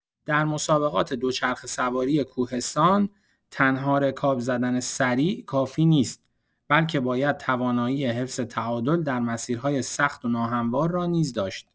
در مسابقات دوچرخه‌سواری کوهستان، تنها رکاب زدن سریع کافی نیست؛ بلکه باید توانایی حفظ تعادل در مسیرهای سخت و ناهموار را نیز داشت.